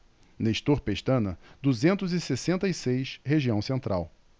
nestor pestana duzentos e sessenta e seis região central